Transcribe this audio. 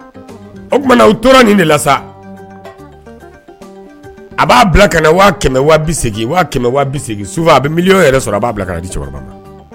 O tumana u tora nin de la a'a segin su a bɛ mi yɛrɛ sɔrɔ b'a bila kana di cɛkɔrɔba ma